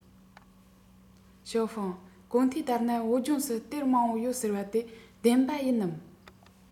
ཞའོ ཧྥུང གོ ཐོས ལྟར ན བོད ལྗོངས སུ གཏེར མང པོ ཡོད ཟེར བ དེ བདེན པ ཡིན ནམ